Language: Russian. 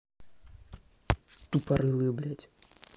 тупорылая блядь